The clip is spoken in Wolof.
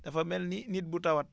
dafa mel ni nit bu tawat